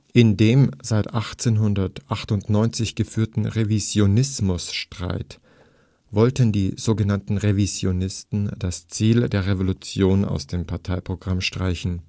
In dem seit 1898 geführten Revisionismusstreit wollten die so genannten Revisionisten das Ziel der Revolution aus dem Parteiprogramm streichen